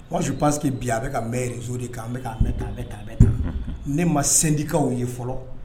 Muwa ze panske bi a bɛka mɛn rezo de kan an ne ma sɛndikaw ye fɔlɔ.